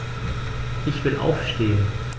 Ich will aufstehen.